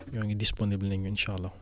ñooñu disponible nañ insaa àllaa